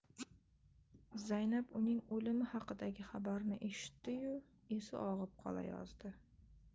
zaynab uning o'limi haqidagi xabarni eshitdi yu esi og'ib qolayozdi